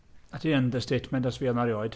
Dyna ti understatement os fuodd yna un erioed.